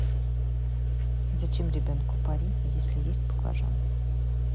зачем ребенку парень если есть баклажан